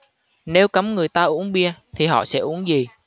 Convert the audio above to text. nếu cấm người ta uống bia thì họ sẽ uống gì